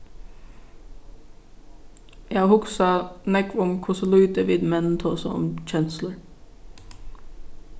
eg havi hugsað nógv um hvussu lítið vit menn tosa um kenslur